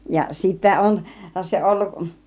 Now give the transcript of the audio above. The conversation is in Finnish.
ja sitten se ollut